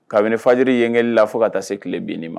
Kabini fajiri yen kelenli la fo ka taa se kelen binni ma